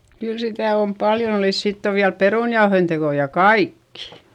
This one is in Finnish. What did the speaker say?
kyl sitä̀ om paljon ‿olìs - sitt ‿o viäl perùnjaohoin tekò ja kaikki.